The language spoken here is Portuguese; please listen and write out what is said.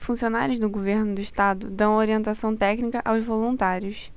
funcionários do governo do estado dão orientação técnica aos voluntários